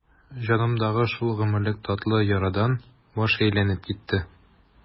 Җанымдагы шул гомерлек татлы ярадан баш әйләнеп китте.